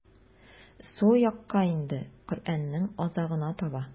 Сул якка инде, Коръәннең азагына таба.